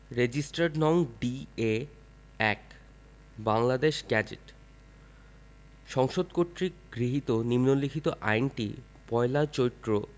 registered নং D A ১ Bangladesh gazette সংসদ কর্তৃক গৃহীত নিম্নলিখিত আইনটি ১লা চৈত্র